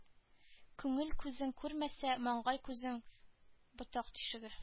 Күңел күзең күрмәсә маңгай күзең ботак тишеге